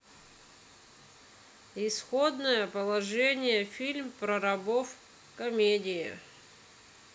исходное положение фильм про рабов комедия